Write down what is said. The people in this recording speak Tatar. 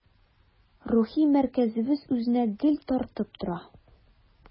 Рухи мәркәзебез үзенә гел тартып тора.